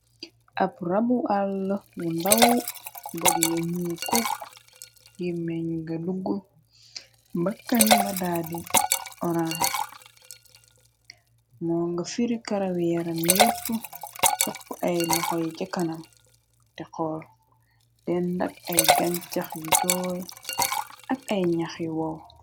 Ab rabu àll bu ndaw badi yanunu cook ngi meñ ga dugg bakkan ba daa di orange moo nga firi karawi yaram yépp sapp ay loxoyi ca kanam te xoor denn ndak ay gañ cax yu tooy ak ay ñaxyi woow.